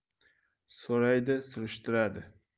so'raydi surishtiradi